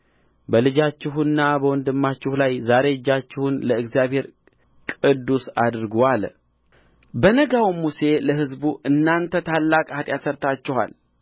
በልጃችሁና በወንድማችሁ ላይ ዛሬ እጃችሁን ለእግዚአብሔር ቅዱስ አድርጉ አለ በነጋውም ሙሴ ለሕዝቡ እናንተ ታላቅ ኃጢአት ሠርታችኋል